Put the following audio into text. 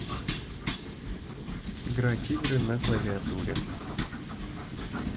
играть игры на клавиатуре